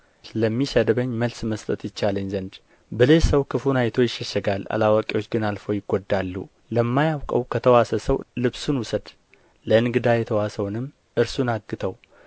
ለሚሰድበኝ መልስ መስጠት ይቻለኝ ዘንድ ብልህ ሰው ክፉን አይቶ ይሸሸጋል አላዋቂዎች ግን አልፈው ይጐዳሉ ለማያውቀው ከተዋሰ ሰው ልብሱን ውሰድ ለእንግዳ የተዋሰውንም እርሱን አግተው